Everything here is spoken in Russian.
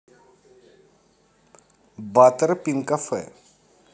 батер пин кафе